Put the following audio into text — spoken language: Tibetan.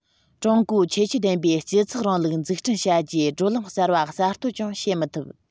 ཀྲུང གོའི ཁྱད ཆོས ལྡན པའི སྤྱི ཚོགས རིང ལུགས འཛུགས སྐྲུན བྱ རྒྱུའི བགྲོད ལམ གསར པ གསར གཏོད ཀྱང བྱེད མི ཐུབ